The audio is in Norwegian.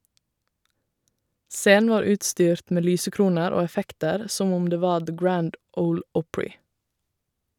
Scenen var utstyrt med lysekroner og effekter som om det var The Grand Ole Opry.